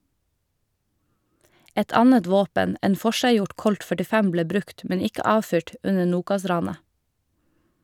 Et annet våpen, en forseggjort colt 45, ble brukt, men ikke avfyrt, under Nokas-ranet.